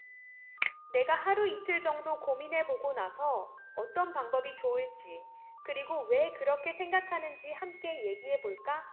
네가 하루 이틀 정도 고민해 보고 나서 어떤 방법이 좋을지 그리고 왜 그렇게 생각하는지 함께 얘기해 볼까